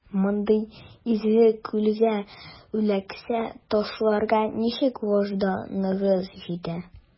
Мондый изге күлгә үләксә ташларга ничек вөҗданыгыз җитә?